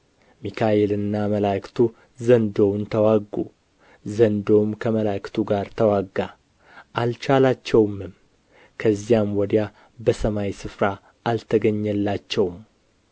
ሚካኤልና መላእክቱ ዘንዶውን ተዋጉ ዘንዶውም ከመላእክቱ ጋር ተዋጋ አልቻላቸውምም ከዚያም ወዲያ በሰማይ ስፍራ አልተገኘላቸውም